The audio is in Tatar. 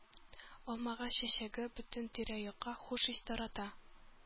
Алмагач чәчәге бөтен тирә-якка хуш ис тарата.